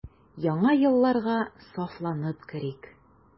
Яңа елларга сафланып керик.